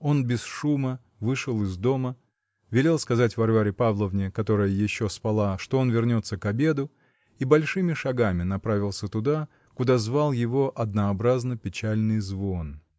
Он без шума вышел из дома, велел сказать Варваре Павловне, которая еще спала, что он вернется к обеду, и большими шагами направился туда, куда звал его однообразно-печальный звон.